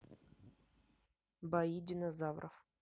бои динозавров